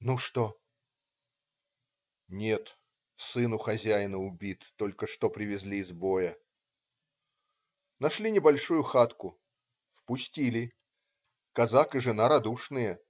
"Ну что?" - "Нет, сын у хозяина убит, только что привезли из боя". Нашли небольшую хатку. Впустили. Казак и жена радушные.